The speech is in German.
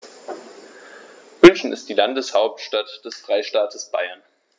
München ist die Landeshauptstadt des Freistaates Bayern.